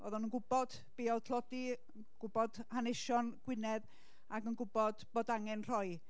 oedden nhw'n gwbod be oedd tlodi, yn gwybod hanesion Gwynedd, ac yn gwbod bod angen rhoi,